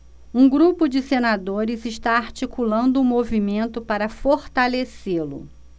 um grupo de senadores está articulando um movimento para fortalecê-lo